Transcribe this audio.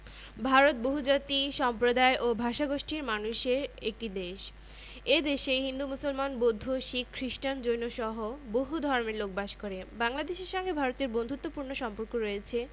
ভারত বহুজাতি সম্প্রদায় ও ভাষাগোষ্ঠীর মানুষের একটি দেশ এ দেশে হিন্দু মুসলমান বৌদ্ধ শিখ খ্রিস্টান জৈনসহ বহু ধর্মের লোক বাস করে বাংলাদেশের সঙ্গে ভারতের বন্ধুত্তপূর্ণ সম্পর্ক রয়ছে